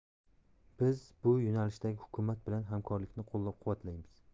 biz bu yo'nalishdagi hukumat bilan hamkorlikni qo'llab quvvatlaymiz